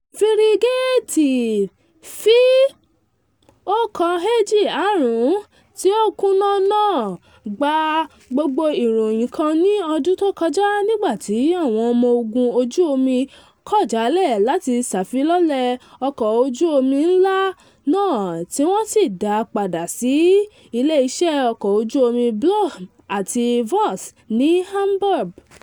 Fírígèètì F125 tí ó kùnà náà gba gogbo ìròyìn kan ní ọdún tó kọjá, nígbàtí Àwọn ọmọ ogun ojú omi kọ̀ jàlẹ̀ láti ṣafilọlẹ̀ ọkọ̀ ojú omi ńlá náà tí wọ́n sì dá a padà sí ìlé iṣẹ́ ọkọ̀ ojú omi Blohm & Voss ní Hamburb.